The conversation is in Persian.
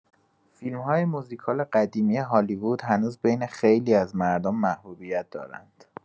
فیلم‌های موزیکال قدیمی هالیوود هنوز بین خیلی از مردم محبوبیت دارند.